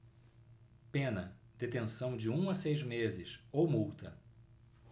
pena detenção de um a seis meses ou multa